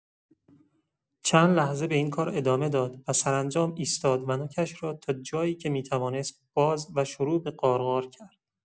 چند لحظه به این کار ادامه داد و سرانجام ایستاد و نوکش را تا جایی که می‌توانست باز و شروع به غارغار کرد.